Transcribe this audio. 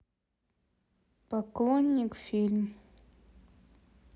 поклонник фильм